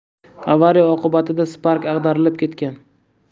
avariya oqibatida spark ag'darilib ketgan